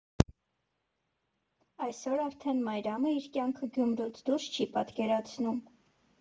Այսօր արդեն Մարիամն իր կյանքը Գյումրուց դուրս չի պատկերացնում։